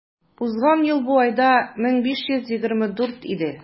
Узган ел бу айда 1524 иде.